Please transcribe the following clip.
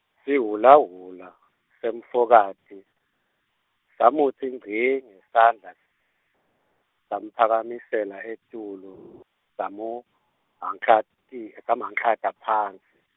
Sihulahula, semfokati, samutsi ngci ngesandla, samphakamisela etulu, samuhhanklati- samuhhanklata phasi.